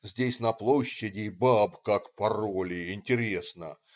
Здесь на площади баб как пороли, интересно.